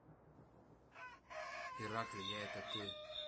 иракли я это ты